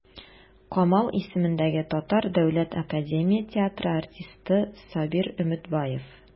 Камал исемендәге Татар дәүләт академия театры артисты Сабир Өметбаев.